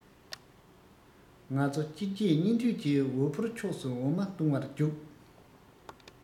ང ཚོ གཅིག རྗེས གཉིས མཐུད ཀྱིས འོ ཕོར ཕྱོགས སུ འོ མ བཏུང བར བརྒྱུགས